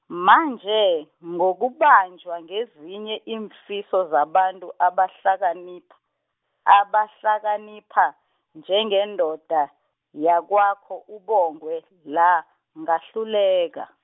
manje, ngokubanjwa ngezinye iimfiso zabantu abahlakaniph-, abahlakanipha, njengendoda, yakwakho uBongwe la, ngahluleka.